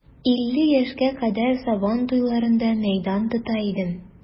Илле яшькә кадәр сабан туйларында мәйдан тота идем.